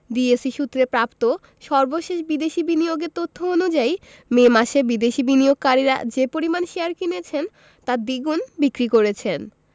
DSE সূত্রে প্রাপ্ত সর্বশেষ বিদেশি বিনিয়োগের তথ্য অনুযায়ী মে মাসে বিদেশি বিনিয়োগকারীরা যে পরিমাণ শেয়ার কিনেছেন তার দ্বিগুণ বিক্রি করেছেন